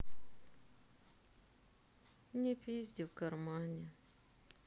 не пизди в кармане